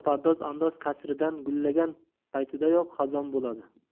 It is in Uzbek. pardoz andoz kasridan gullagan paytidayoq xazon bo'ladi